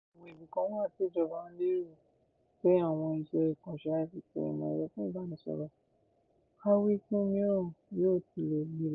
Àwọn ibìkan wà, tí ìjọba ń lérò, pé àwọn iṣẹ́ àkànṣe ICT (Ìmọ̀-ẹ̀rọ fún Ìbánisọ̀rọ̀ a Ìwífún) mìíràn yóò ti le gbilẹ̀.